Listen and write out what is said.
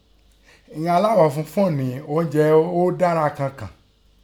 Igban alághọ̀ funfun kò ní oúnjẹ tí ó dára kankan.